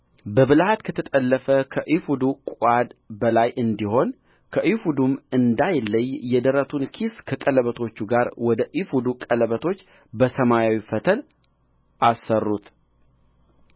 በብልሃት ከተጠለፈው ከኤፉዱ ቋድ በላይ እንዲሆን ከኤፉዱም እንዳይለይ የደረቱን ኪስ ከቀለበቶቹ ጋር ወደ ኤፉዱ ቀለበቶች በሰማያዊ ፈትል አሰሩት